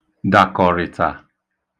dàkọ̀rị̀tà